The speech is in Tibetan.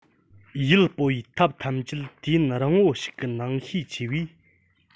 ཡུལ སྤོ བའི ཐབས ཐམས ཅད དུས ཡུན རིང པོ ཞིག གི ནང ཤས ཆེ བས